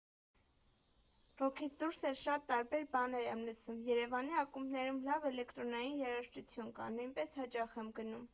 Ռոքից դուրս էլ շատ տարբեր բաներ եմ լսում, Երևանի ակումբներում լավ էլեկտրոնային երաժշտություն կա, նույնպես հաճախ եմ գնում։